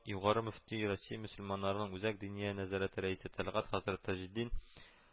Югары мөфти, Россия мөселманнарының Үзәк диния нәзарәте рәисе Тәлгать хәзрәт Таҗетдин